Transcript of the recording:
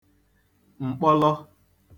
m̀kpọlọ